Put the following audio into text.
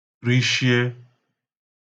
rishie